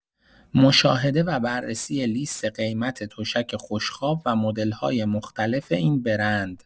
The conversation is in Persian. مشاهده و بررسی لیست قیمت تشک خوشخواب و مدل‌های مختلف این برند